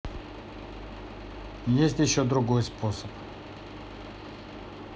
есть еще другой способ